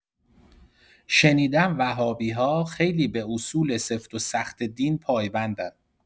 شنیدم وهابی‌ها خیلی به اصول سفت و سخت دین پایبندن.